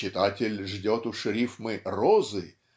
"читатель ждет уж рифмы розы